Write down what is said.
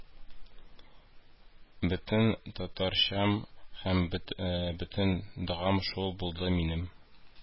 Бөтен татарчам һәм бөтен догам шул булды минем